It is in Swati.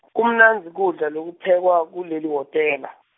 kumnandzi kudla lokuphekwa, kuleli wotela.